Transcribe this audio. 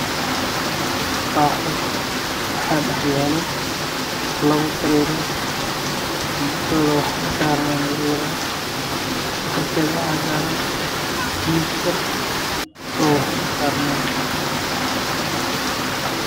Waa qol waxaa yaalo sariiro midbadoodu waa Dahab